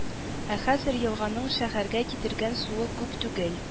Ә хәзер елганың шәһәргә китергән суы күп түгел